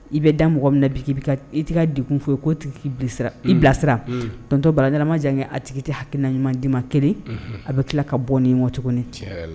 I bɛ da mɔgɔ min na bi k'i i taga dekun fɔ ye koi i bilasiratɔnontɔn barajama jan a tigi tɛ hakiina ɲuman dii ma kelen a bɛ tila ka bɔ nin ɲɔgɔn cogo